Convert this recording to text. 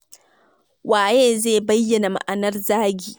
Waye zai bayyana ma'anar zagi?